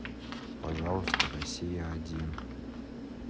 пожалуйста россия один